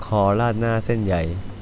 ขอราดหน้าเส้นใหญ่